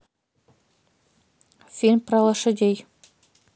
фильм про лошадей